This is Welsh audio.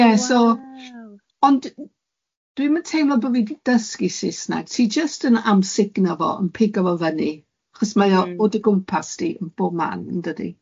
Ie so. Oh wow. Ond dwi'm yn teimlo bo' fi di dysgu Saesneg ti jyst yn amsugno fo yn pigo fo fyny, achos mae o... Mm. ...o dy gwmpas di yn bob man yn dydi?